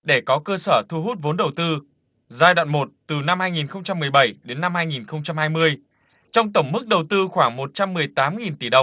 để có cơ sở thu hút vốn đầu tư giai đoạn một từ năm hai nghìn không trăm mười bảy đến năm hai nghìn không trăm hai mươi trong tổng mức đầu tư khoảng một trăm mười tám nghìn tỷ đồng